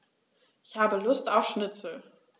Ich habe Lust auf Schnitzel.